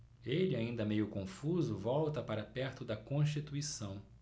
ele ainda meio confuso volta para perto de constituição